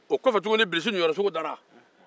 o kɔfɛ tuguni bilisi niyɔrɔsogo da la